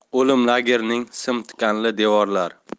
o'lim lagerining sim tikanakli devorlari